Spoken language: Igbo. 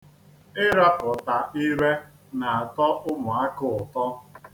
Ịrapụta ire na-atọ ụmụaka ụtọ.